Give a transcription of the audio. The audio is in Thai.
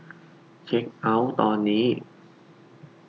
เช็คเอ้าท์ตอนนี้